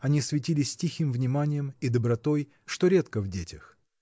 они светились тихим вниманием и добротой, что редко в детях.